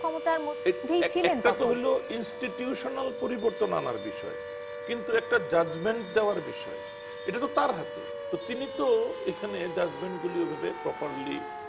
ক্ষমতার মধ্যে ছিলাম একটা তো হইল ইনস্টিটিউশনাল পরিবর্তন আনার বিষয়ে কিন্তু একটা জাজমেন্ট দেওয়ার বিষয় এটা তো তার হাতে তো তিনি তো এখানে জাজমেন্ট গুলো ওভাবে প্রপারলি